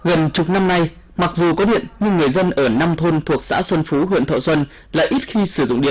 gần chục năm nay mặc dù có điện nhưng người dân ở năm thôn thuộc xã xuân phú huyện thọ xuân lại ít khi sử dụng điện